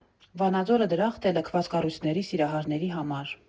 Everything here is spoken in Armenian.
Վանաձորը դրախտ է լքված կառույցների սիրահարների համար։